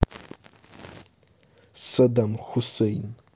саддам хусейн